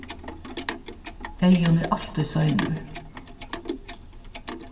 eyðun er altíð seinur